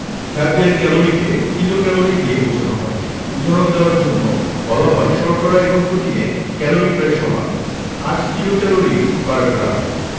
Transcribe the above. খাদ্যের ক্যালরিকে কিলোক্যালরি দিয়ে বোঝানো হয় উদাহরণ দেয়ার জন্যে বলা যায় শর্করা এবং প্রোটিনের ক্যালরি প্রায় সমান ৮ কিলোক্যালরি পার গ্রাম